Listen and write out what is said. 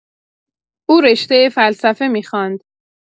او رشته فلسفه می‌خواند